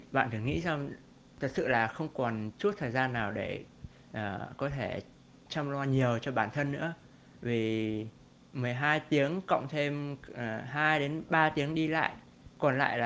thì bạn phải nghĩ rằng thật sự là không còn chút thời gian nào để có thể chăm lo nhiều cho bản thân nữa vì mười hai tiếng cộng thêm hai đến ba tiếng đi lại còn lại là